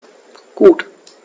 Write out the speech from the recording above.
Gut.